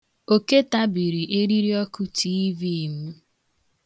Oke tabiri eriri ọkụ tiivii m.